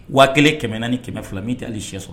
Waa kelen kɛmɛ naani ni kɛmɛ fila min tɛ ali si sɔrɔ